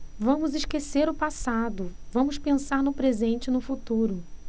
vamos esquecer o passado vamos pensar no presente e no futuro